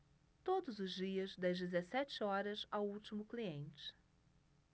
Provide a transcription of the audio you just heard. todos os dias das dezessete horas ao último cliente